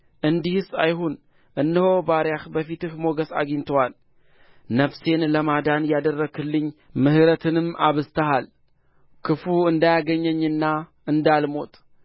እንዲህስ አይሁን እነሆ ባሪያህ በፊትህ ሞገስን አግኝቶአል ነፍሴን ለማዳን ያደረግህልኝን ምሕረትህንም አብዝተሃል ክፉ እንዳያገኘኝና እንዳልሞት